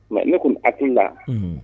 Ne kɔni a tun la